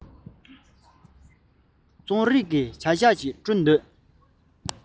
རྩོམ རིག གི བྱ བཞག ཅིག བསྐྲུན འདོད ན